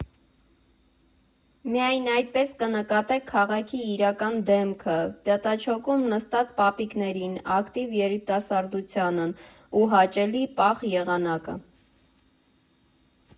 Միայն այդպես կնկատեք քաղաքի իրական դեմքը, Պյատաչոկում նստած պապիկներին, ակտիվ երիտասարդությանն ու հաճելի, պաղ եղանակը։